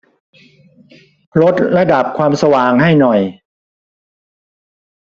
ลดระดับความสว่างให้หน่อย